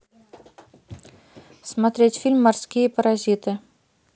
смотреть фильм морские паразиты